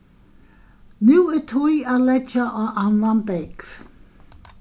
nú er tíð at leggja á annan bógv